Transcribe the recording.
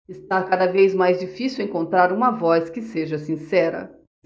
está cada vez mais difícil encontrar uma voz que seja sincera